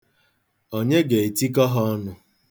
Onye ga-etikọ ha ọnụ?